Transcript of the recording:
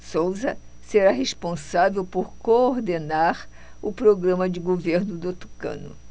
souza será responsável por coordenar o programa de governo do tucano